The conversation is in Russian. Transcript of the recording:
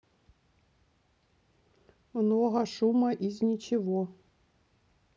много шума из ничего